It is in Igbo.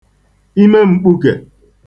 imem̄kpūkè